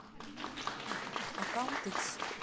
аккаунт x